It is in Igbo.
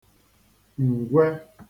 ǹgwe